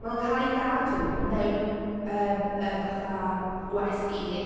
Maen nhw’n cael ei gadw mewn yy yy fatha gwesty...